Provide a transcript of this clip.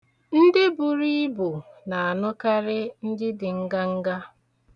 Ndị buru ibu na-anụkari ndị dị nganga.